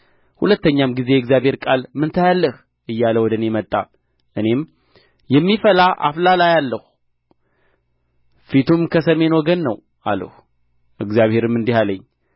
ሁለተኛም ጊዜ የእግዚአብሔር ቃል ምን ታያለህ እያለ ወደ እኔ መጣ እኔም የሚፈላ አፍላል አያለሁ ፊቱም ከሰሜን ወገን ነው አልሁ እግዚአብሔርም እንዲህ አለኝ